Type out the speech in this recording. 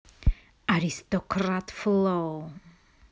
аристократ флоу